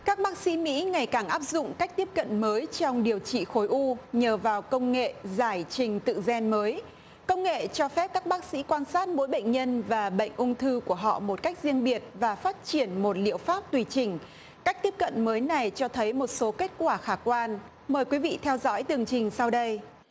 các bác sĩ mỹ ngày càng áp dụng cách tiếp cận mới trong điều trị khối u nhờ vào công nghệ giải trình tự gien mới công nghệ cho phép các bác sĩ quan sát mỗi bệnh nhân và bệnh ung thư của họ một cách riêng biệt và phát triển một liệu pháp tùy chỉnh cách tiếp cận mới này cho thấy một số kết quả khả quan mời quý vị theo dõi tường trình sau đây